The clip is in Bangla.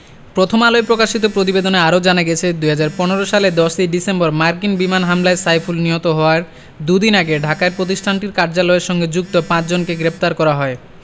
প্রথম আলোয় প্রকাশিত প্রতিবেদনে আরও জানা গেছে ২০১৫ সালের ১০ ই ডিসেম্বর মার্কিন বিমান হামলায় সাইফুল নিহত হওয়ার দুদিন আগে ঢাকায় প্রতিষ্ঠানটির কার্যালয়ের সঙ্গে যুক্ত পাঁচজনকে গ্রেপ্তার করা হয়